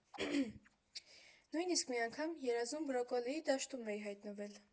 Նույնիսկ մի անգամ երազում բրոկոլիի դաշտում էի հայտնվել։